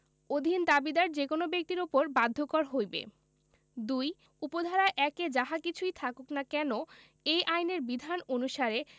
অধীন দাবীদার যে কোন ব্যক্তির উপর বাধ্যকর হইবে ২ উপ ধারা ১ এ যাহা কিছুই থাকুক না কেন এই আইনের বিধান অনুসারে